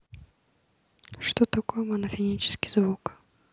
что такое монофонический звук